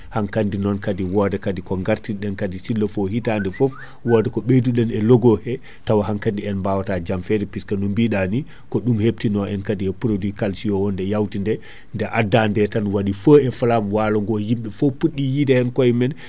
hankkandi non kaadi woda kaadi ko gartirɗen kaadi s' il le faut hitande foof woda ko beydu ɗen e loggons he tawa hankkadi en bawata janffede puisque no biɗa ni ko ɗum hebtino en kaadi e produit calcium o nde yawtide nde adda nde tan waɗi feu e flamme walogo yimɓe foo pudɗi yiide hen koyemumen